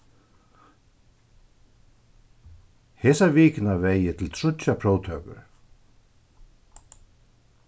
hesa vikuna var eg til tríggjar próvtøkur